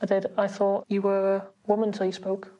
a deud I thought you were woman til you spoke.